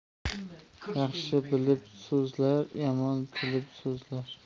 yaxshi bilib so'zlar yomon tilib so'zlar